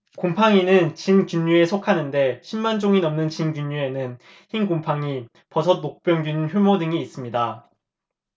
곰팡이는 진균류에 속하는데 십 만 종이 넘는 진균류에는 흰곰팡이 버섯 녹병균 효모 등이 있습니다